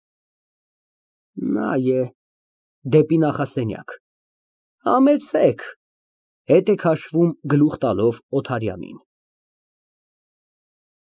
Նա է։ (Դեպի նախասենյակ) Համեցեք… (Հետ է քաշվում, գլուխ տալով Օթարյանին)։